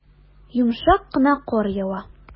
Йомшак кына кар ява.